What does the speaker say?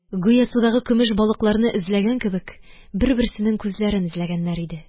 Гүя судагы көмеш балыкларны эзләгән кебек, бер-берсенең күзләрен эзләгәннәр иде.